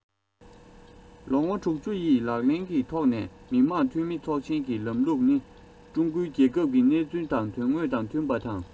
ལོ ངོ ཡི ལག ལེན གྱི ཐོག ནས མི དམངས འཐུས མི ཚོགས ཆེན གྱི ལམ ལུགས ནི ཀྲུང གོའི རྒྱལ ཁབ ཀྱི གནས ཚུལ དང དོན དངོས དང མཐུན པ དང